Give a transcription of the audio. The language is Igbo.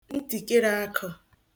ntìkerē akụ̄